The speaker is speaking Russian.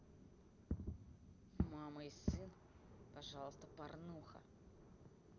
мама и сын пожалуйста порнуха